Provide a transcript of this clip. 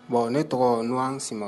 Bon ne tɔgɔ Nohan Simaga.